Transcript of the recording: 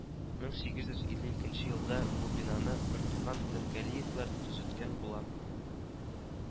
Мең сигез йөз илле икенче елда бу бинаны бертуган тәвкилевләр төзеткән була